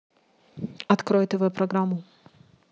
открой тв программу